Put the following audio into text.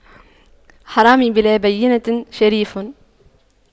حرامي بلا بَيِّنةٍ شريف